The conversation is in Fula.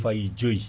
faayi joyyi